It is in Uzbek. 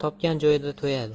yo'q topgan joyida to'yadi